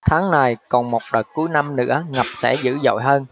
tháng này còn một đợt cuối năm nữa ngập sẽ dữ dội hơn